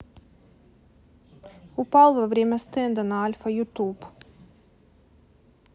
упал во время стенда на альфа youtube